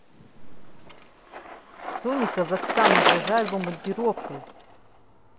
sonic казахстан угрожает бомбардировкой